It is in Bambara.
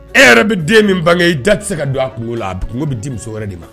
E yɛrɛ bɛ den min bange, i da tɛ se ka don a kungo la, a kungo bɛ di muso wɛrɛ de ma!